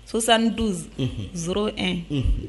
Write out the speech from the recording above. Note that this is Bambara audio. Sosan duz n